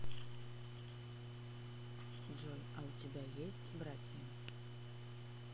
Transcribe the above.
джой а у тебя есть братья